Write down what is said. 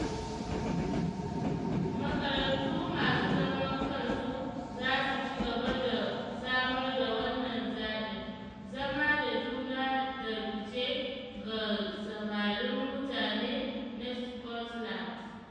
Makarantu masu zaman kansu za su ci gaba da samar da wannan zabin, zama da juna da fice ga samarin mutane na Scotland.